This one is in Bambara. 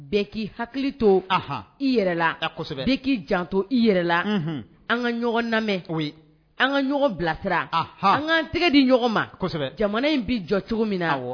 Bɛn k'i hakili to i yɛrɛ k'i jan to i yɛrɛ la an ka ɲɔgɔn lamɛn an ka ɲɔgɔn bilasira an ka tɛgɛ di ɲɔgɔn ma jamana in bɛ jɔ cogo min na